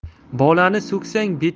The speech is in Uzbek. bolani so'ksang beti